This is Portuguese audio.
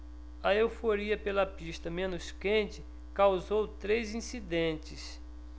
a euforia pela pista menos quente causou três incidentes